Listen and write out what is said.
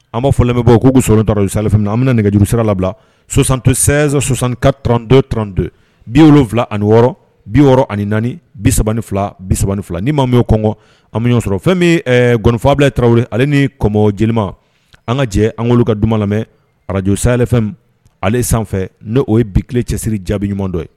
An b'a fɔlen bɛ bɔ k'u s dɔrɔnɔrɔsilifɛ a bɛna nɛgɛjuru sira labila sɔsantɔsansanka tranto tranto bi wolonwula ani wɔɔrɔ bi wɔɔrɔ ani naani bisa fila bisa fila ni ma b'o kɔngɔ an bɛ ɲɔgɔn sɔrɔ fɛn min gɔnifabila tarawele ale ni kɔmɔ jeli an ka jɛ an' ka dumanuma lamɛn araj safɛn ale sanfɛ n' oo ye bi kelen cɛsiri jaabiɲuman dɔ ye